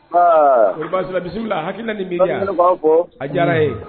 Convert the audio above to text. Aabala bisimilasi hakili ni bɛ fɔ a diyara ye